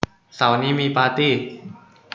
เสาร์นี้มีปาร์ตี้